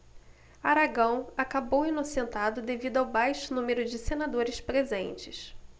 aragão acabou inocentado devido ao baixo número de senadores presentes